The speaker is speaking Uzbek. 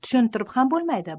tushuntirib ham bo'lmaydi